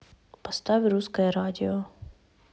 поставь русское радио